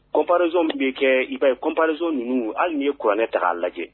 Comparaison min bɛ kɛ, i b'a ye Comparaison ninnu hali ni ye kuranɛ ta k'a lajɛ